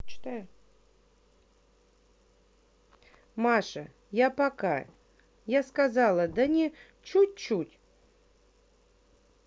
маша я пока я сказала да не чуть чуть